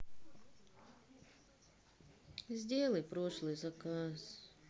сделай прошлый заказ